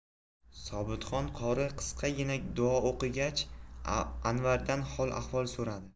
sobitxon qori qisqagina duo o'qigach anvardan hol ahvol so'radi